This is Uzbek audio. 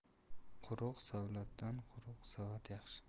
quruq savlatdan quruq savat yaxshi